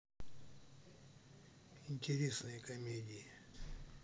интересные комедии